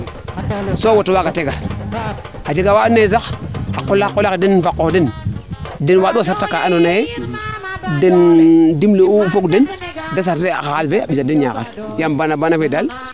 so o auto wagate gar a jega waa and naye sax xa qolaxe den fa qoox den den waandu a sarta ka ando naye den dimle u fog we den de saq a sarse a xaal fe a ɓisa den Niakhar yaam baana baana fee daal